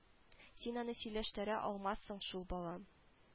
Син аны сөйләштерә алмассың шул балам